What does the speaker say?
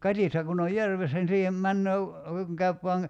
katiska kun on järvessä niin siihen menee kun käy vain